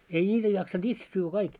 ei niitä jaksanut itse syödä kaikki